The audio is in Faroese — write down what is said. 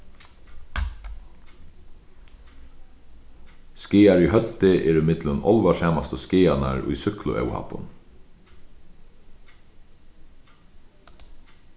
skaðar í høvdið eru millum álvarsamastu skaðarnar í súkkluóhappum